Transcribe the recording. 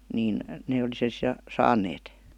niin ne oli sen sitten saaneet